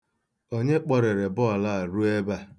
Onye kpọrere bọl a ruo ebe a?